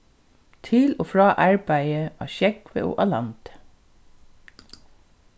til og frá arbeiði á sjógvi og landi